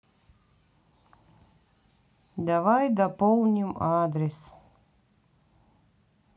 давай дополним адрес